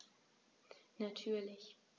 Natürlich.